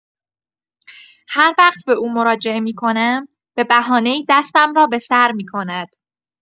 هر وقت به او مراجعه می‌کنم، به بهانه‌ای دستم را به سر می‌کند.